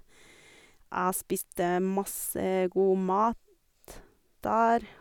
Jeg spiste masse god mat der.